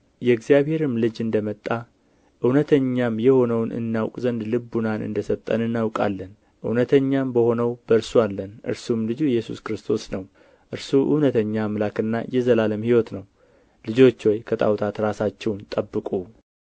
የእግዚአብሔርም ልጅ እንደ መጣ እውነተኛም የሆነውን እናውቅ ዘንድ ልቡናን እንደ ሰጠን እናውቃለን እውነተኛም በሆነው በእርሱ አለን እርሱም ልጁ ኢየሱስ ክርስቶስ ነው እርሱ እውነተኛ አምላክና የዘላለም ሕይወት ነው ልጆች ሆይ ከጣዖታት ራሳችሁን ጠብቁ